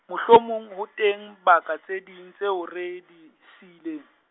mohlomong ho teng baka tse ding tseo re di, siileng.